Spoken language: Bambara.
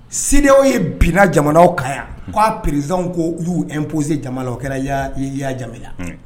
CEDEAO ye binna jamana kan yan, k'a présidents ko y'u imposé jama la o kɛra Yaya Jame la